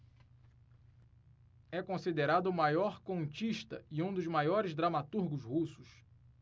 é considerado o maior contista e um dos maiores dramaturgos russos